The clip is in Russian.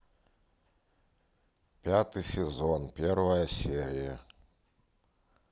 пятый сезон первая серия